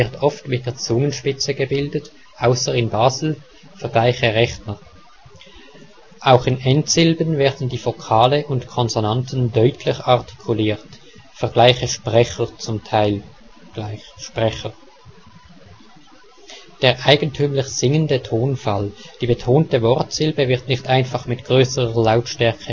oft mit der Zungenspitze gebildet (außer in Basel), vergleiche " Rechner "=[' reχnɘr] auch in Endsilben werden die Vokale und Konsonanten deutlich artikuliert, vergleiche " Sprecher " zum Teil =[' ʃpreχɛr] der eigentümlich singende Tonfall: die betonte Wortsilbe wird nicht einfach mit größerer Lautstärke hervorgehoben